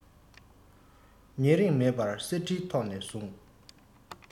ཉེ རིང མེད པར གསེར ཁྲིའི ཐོགས ནས བཟུང